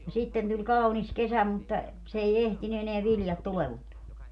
no sitten tuli kaunis kesä mutta se ei ehtinyt enää viljat tuleentua